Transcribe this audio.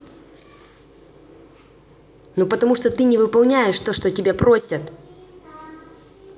ну потому что ты не выполняешь то что тебя просит